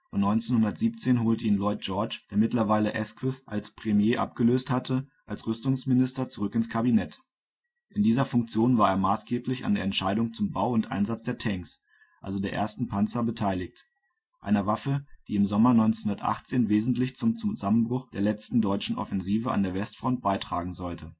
1917 holte ihn Lloyd George, der mittlerweile Asquith als Premier abgelöst hatte, als Rüstungsminister zurück ins Kabinett. In dieser Funktion war er maßgeblich an der Entscheidung zum Bau und Einsatz der Tanks - also der ersten Panzer - beteiligt: einer Waffe, die im Sommer 1918 wesentlich zum Zusammenbruch der letzten deutschen Offensive an der Westfront beitragen sollte